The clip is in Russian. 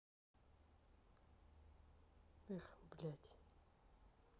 эх блять